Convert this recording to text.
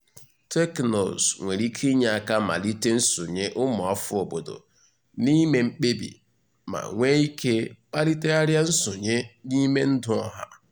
Teknụzụ nwere ike inye aka malite nsonye ụmụafọ obodo n'ime mkpebi ma nwee ike kpalitegharia nsonye n'ime ndụ ọha.